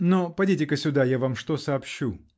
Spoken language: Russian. Но подите-ка сюда, я вам что сообщу.